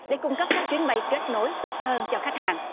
để cung cấp các chuyến bay kết nối tốt hơn cho khách hàng